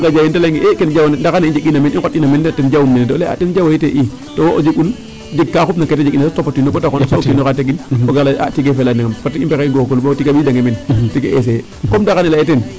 O retanga jawin ta layongee ndaxar ne i njeg'ina meen i nqotiid'ina meen de ten jawum nene de o laya a ten jawo wee ii to wo o jeg'un jeg kaa xupna ke ta jeg'ina topatwino bo ta xotin o kiin oxa tegin o gar lay ee a tiye fela nangam fat i mbexey ngorgoorlu bo tiga ɓisiidange meen i essayer comme ndaxar ne layeena teen.